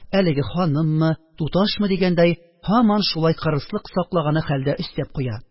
Әлеге ханыммы, туташмы дигәндәй, һаман шулай кырыслык саклаганы хәлдә өстәп куя